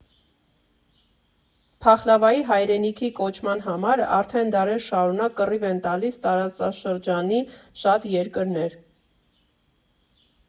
Փախլավայի հայրենիքի կոչման համար արդեն դարեր շարունակ կռիվ են տալիս տարածաշրջանի շատ երկրներ։